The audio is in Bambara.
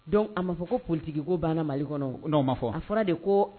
Dɔn a b'a fɔ koolitigi ko banna mali kɔnɔ dɔw ma fɔ a fɔra de ko